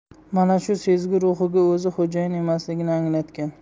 mana shu sezgi ruhiga o'zi xo'jayin emasligini anglatgan